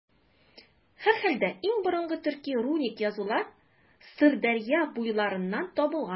Һәрхәлдә, иң борынгы төрки руник язулар Сырдәрья буйларыннан табылган.